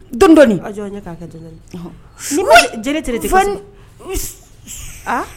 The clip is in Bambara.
Doni doni, i jɔ n bɛ kɛ